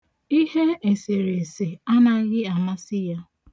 Ihe eserese anaghị amasị ya.